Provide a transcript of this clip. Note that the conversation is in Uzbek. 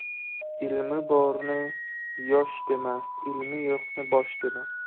ilmi borni yosh dema ilmi yo'qni bosh dema